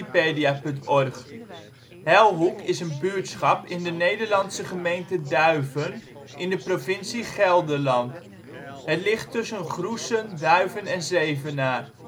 56 ' NB, 6° 02 ' OL Helhoek Plaats in Nederland Situering Provincie Gelderland Gemeente Duiven Coördinaten 51° 56′ NB, 6° 2′ OL Portaal Nederland Helhoek is een buurtschap in de Nederlandse gemeente Duiven, in de provincie Gelderland. Het ligt tussen Groessen, Duiven en Zevenaar